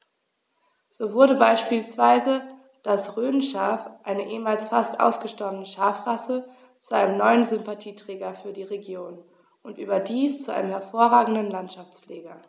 So wurde beispielsweise das Rhönschaf, eine ehemals fast ausgestorbene Schafrasse, zu einem neuen Sympathieträger für die Region – und überdies zu einem hervorragenden Landschaftspfleger.